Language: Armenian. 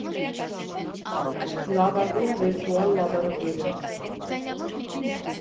Լավագույն վիրտուալ լաբորատորիա։